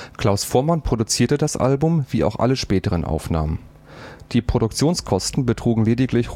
Klaus Voormann produzierte das Album wie auch alle späteren Aufnahmen. Die Produktionskosten betrugen lediglich